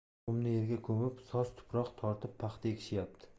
qumni yerga ko'mib soz tuproq tortib paxta ekishyapti